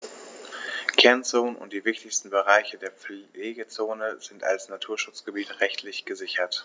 Kernzonen und die wichtigsten Bereiche der Pflegezone sind als Naturschutzgebiete rechtlich gesichert.